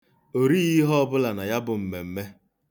O righị ihe ọbụla na ya bụ mmemme.